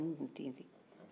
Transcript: jamu tun tɛye ten